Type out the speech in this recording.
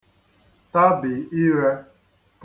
tabì ire